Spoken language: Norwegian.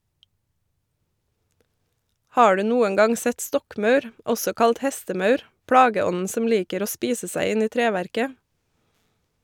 Har du noen gang sett stokkmaur , også kalt hestemaur, plageånden som liker å spise seg inn i treverket?